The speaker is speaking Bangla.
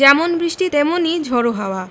যেমন বৃষ্টি তেমনি ঝড়ো হাওয়া